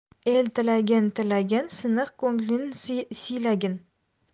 el tilagin tilagin siniq ko'nglin siylagin